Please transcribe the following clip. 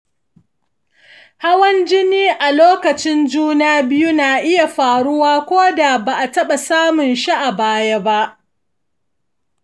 hawan jini a lokacin juna biyu na iya faruwa ko da ba a taɓa samun shi a baya ba.